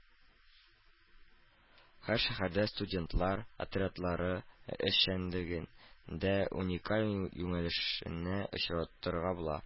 Һәр шәһәрдә студентлар отрядлары эшчәнлегендә уникаль юнәлешне очратырга була